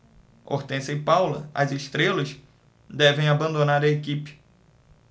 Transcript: hortência e paula as estrelas devem abandonar a equipe